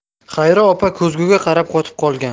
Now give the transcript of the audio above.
xayri opa ko'zguga qarab qotib qolgan